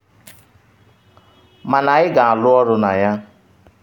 Mana anyị na-arụ ọrụ na ya.